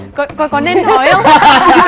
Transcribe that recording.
có có nên nói không